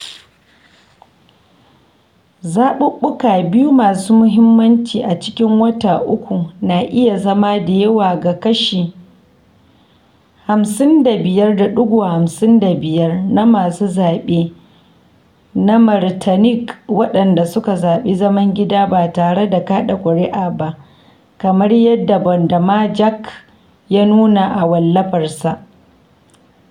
Zaɓuɓɓuka biyu masu mahimmanci a cikin wata uku na iya zama da yawa ga kashi 55.55% na masu zaɓe na Martinique waɗanda suka zaɓi zaman gida ba tare da kaɗa ƙuri’a ba, kamar yadda Bondamanjak ya nuna a wallafarsa [Fr].